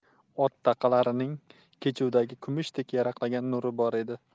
ot taqalarining kechuvdagi kumushdek yaraqlagan nuri bor edi